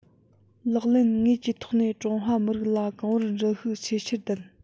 ལག ལེན དངོས ཀྱི ཐོག ནས ཀྲུང ཧྭ མི རིགས ལ གོང བུར འགྲིལ ཤུགས ཆེས ཆེར ལྡན